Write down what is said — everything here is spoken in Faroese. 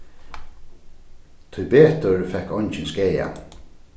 tíbetur fekk eingin skaða